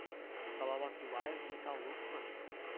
Салават юлаев металлург мы